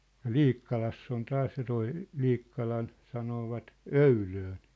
ja Liikkalassa on taas ja tuo Liikkalan sanoivat öylöön